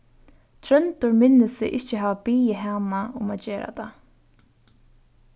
tróndur minnist seg ikki hava biðið hana um at gera tað